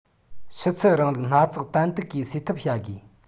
ཕྱི ཚུལ རིང ལུགས སྣ ཚོགས ཏན ཏིག གིས སེལ ཐབས བྱ དགོས